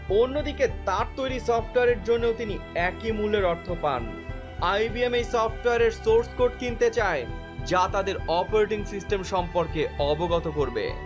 অন্যদিকে তার তৈরি সফটওয়্যার এর জন্য তিনি একই মূল্যের অর্থ পান আইবিএম এই সফটওয়্যার এর সোর্স কোড কিনতে চায় যা তাদের অপারেটিং সিস্টেম সম্পর্কে অবগত করবে